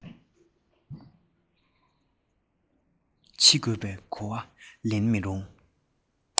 འཆི དགོས པའི གོ བ ལེན མི རུང